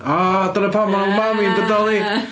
O, dyna pam mae'r umami yn bodoli!